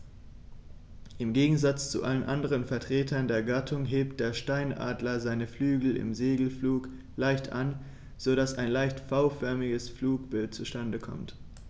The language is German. Im Gegensatz zu allen anderen Vertretern der Gattung hebt der Steinadler seine Flügel im Segelflug leicht an, so dass ein leicht V-förmiges Flugbild zustande kommt.